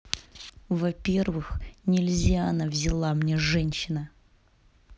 во первых нельзяна взяла мне женщина